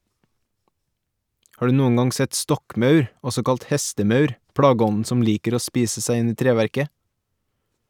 Har du noen gang sett stokkmaur, også kalt hestemaur, plageånden som liker å spise seg inn i treverket?